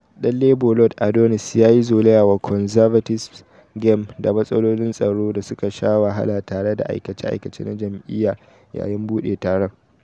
Dan Labor Lord Adonis ya yi zoloya wa Conservatives game da matsalolin tsaro da suka sha wahala tare da aikace-aikace na jam'iyya yayin buɗe taron.